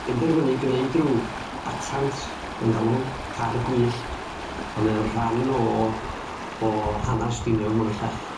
benderfynu gneud rw batant o'n galw car gwyllt a mae o rhan o o hanas Stiniog 'ma bellach.